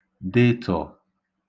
dētọ̀